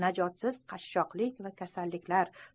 najotsiz qashshoqlik va kasalliklar